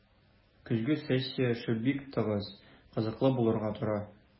Көзге сессия эше бик тыгыз, кызыклы булырга тора.